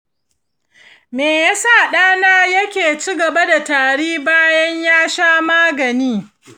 meyasa ɗana yake cigaba da tari bayan ya sha magani?